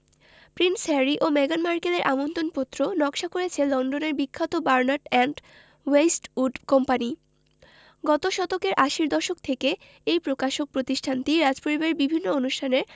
Prince Harry ও মেগান মার্কেলের আমন্ত্রণপত্র নকশা করছে লন্ডনের বিখ্যাত বার্নার্ড অ্যান্ড ওয়েস্টউড কোম্পানি গত শতকের আশির দশক থেকে এই প্রকাশক প্রতিষ্ঠানটি রাজপরিবারের বিভিন্ন অনুষ্ঠানের